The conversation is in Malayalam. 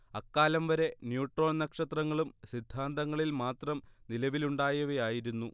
അക്കാലം വരെ ന്യൂട്രോൺ നക്ഷത്രങ്ങളും സിദ്ധാന്തങ്ങളിൽ മാത്രം നിലവിലുണ്ടായിരുന്നവയായിരുന്നു